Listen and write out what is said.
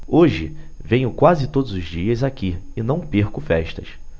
hoje venho quase todos os dias aqui e não perco festas